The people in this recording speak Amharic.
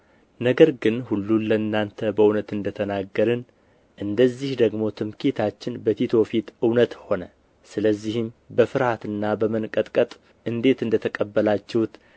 ነገር ግን ሁሉን ለእናንተ በእውነት እንደ ተናገርን እንደዚህ ደግሞ ትምክህታችን በቲቶ ፊት እውነት ሆነ ስለዚህም በፍርሃትና በመንቀጥቀጥ እንዴት እንደተቀበላችሁት